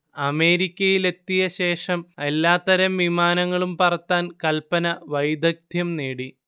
അമേരിക്കയിലെത്തിയ ശേഷം എല്ലാത്തരം വിമാനങ്ങളും പറത്താൻ കൽപന വൈദഗ്ദ്ധ്യം നേടി